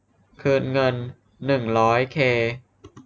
คืนเงินหนึ่งร้อยเค